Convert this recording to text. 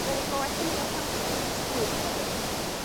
beryg bo' well i mi orffan codi'r twyrch 'ma 'dy fi.